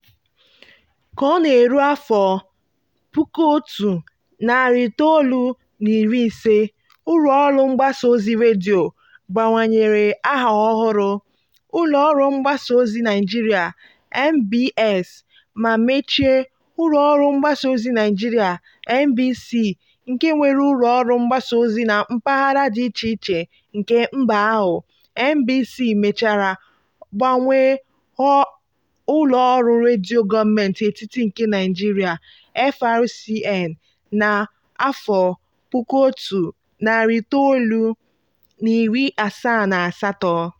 Ka ọ na-erule afọ 1950, ụlọ ọrụ mgbasa ozi redio gbanwere aha ọhụrụ — ụlọ ọrụ mgbasa ozi Naịjirịa (NBS) — ma mechaa, ụlọ ọrụ mgbasa ozi Naịjirịa (NBC), nke nwere ụlọ ọrụ mgbasa ozi na mpaghara dị iche iche nke mba ahụ. NBC mechara gbanwee ghọọ ụlọ ọrụ redio gọọmentị etiti nke Naịjirịa (FRCN) na 1978.